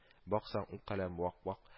Баксаң, ул келәм вак-вак